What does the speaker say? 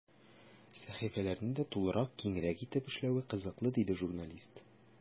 Сәхифәләрне дә тулырак, киңрәк итеп эшләве кызыклы, диде журналист.